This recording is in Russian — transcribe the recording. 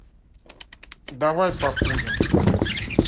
давай покурим